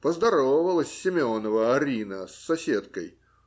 Поздоровалась Семенова Арина с соседкой